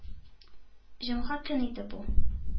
Җомга көн иде бу.